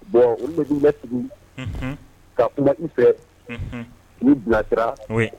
Bon olu bɛ sigi ka kuma i fɛ i bilasira